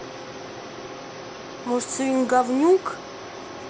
может swing говнюк